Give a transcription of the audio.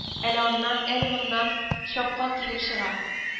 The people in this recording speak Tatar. Әле аннан, әле моннан чапкын килеп чыга